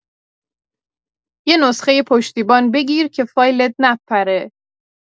یه نسخه پشتیبان بگیر که فایلت نپره